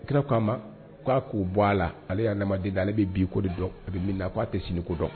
Kira k'a ma k'a k'o bɔ a la aledamamadenyada ale bɛ bi ko de dɔn bɛ min k'a tɛ sini kodɔn